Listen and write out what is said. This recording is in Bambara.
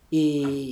Ee